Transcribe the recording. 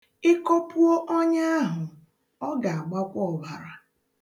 Ịkọpuo ọnya ahụ, ọ ga-agbakwa ọbara.